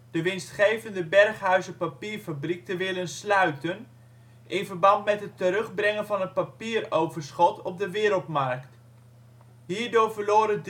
de winstgevende Berghuizer Papierfabriek te willen sluiten in verband met het terugbrengen van het papieroverschot op de wereldmarkt. Hierdoor verloren